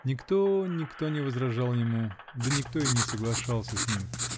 никто, никто не возражал ему, да никто и не соглашался с ним.